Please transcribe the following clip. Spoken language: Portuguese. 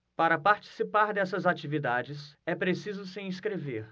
para participar dessas atividades é preciso se inscrever